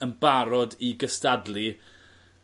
yn barod i gystadlu